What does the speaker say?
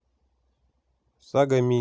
сага мини